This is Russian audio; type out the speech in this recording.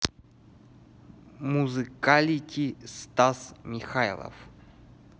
музыкалити стас михайлов